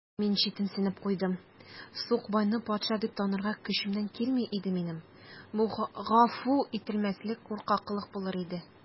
Мин читенсенеп куйдым: сукбайны патша дип танырга көчемнән килми иде минем: бу гафу ителмәслек куркаклык булыр иде.